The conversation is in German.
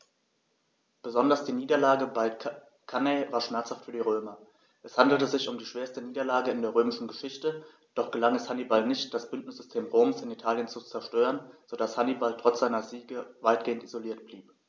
Besonders die Niederlage bei Cannae war schmerzhaft für die Römer: Es handelte sich um die schwerste Niederlage in der römischen Geschichte, doch gelang es Hannibal nicht, das Bündnissystem Roms in Italien zu zerstören, sodass Hannibal trotz seiner Siege weitgehend isoliert blieb.